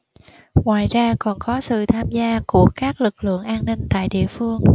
ngoài ra còn có sự tham gia của các lực lượng an ninh tại địa phương